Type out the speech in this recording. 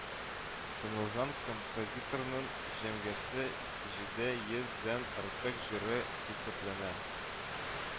Танылган композиторның җәмгысе җиде йөздән артык җыры исәпләнә